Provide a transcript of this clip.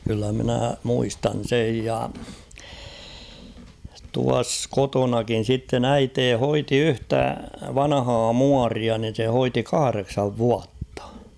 kyllä minä muistan sen ja tuossa kotonakin sitten äiti hoiti yhtä vanhaa muoria niin se hoiti kahdeksan vuotta